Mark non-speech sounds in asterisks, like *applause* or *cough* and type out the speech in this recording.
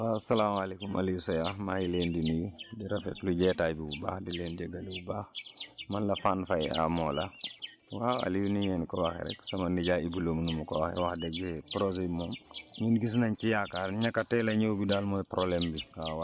waaw asalaamaaleykum Aliou Sow maa ngi leen di nuyu di rafetlu jotaay bi bu baax di leen di leen jégalu bu baax *noise* man la Fane Faye à Mawla *noise* waaw Aliou ni ngeen ko waxee rek sama nijaay Ibou Loum ni mu ko waxee wax dëgg projet bi moom ñun gis nañ ci yaakaar ñàkk a teel a ñëw bi daal mooy problème bi